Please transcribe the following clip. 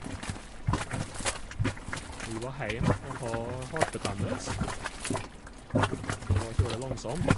Jeg var heime og ha halsbetennelse, og det var kjøle langsomt.